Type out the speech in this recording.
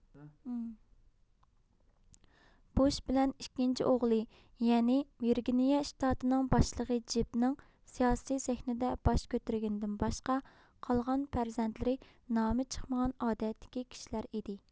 بۇش بىلەن ئىككىنچى ئوغلى يەنى ۋېرگىنىيە شتاتىنىڭ باشلىقى جېبنىڭ سىياسىي سەھنىدە باش كۆتۈرگىنىدىن باشقا قالغان پەرزەنتلىرى نامى چىقمىغان ئادەتتىكى كىشىلەر ئىدى